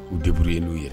U deuru ye n'u yɛrɛ